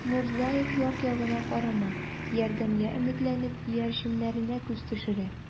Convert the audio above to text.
Мурзаев як-ягына карана, ярдәмгә өметләнеп, иярченнәренә күз төшерә.